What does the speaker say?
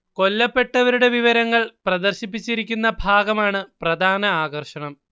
കൊല്ലപ്പെട്ടവരുടെ വിവരങ്ങൾ പ്രദർശിപ്പിച്ചിരിക്കുന്ന ഭാഗമാണ് പ്രധാന ആകർഷണം